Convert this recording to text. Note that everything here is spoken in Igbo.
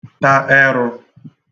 tà ẹru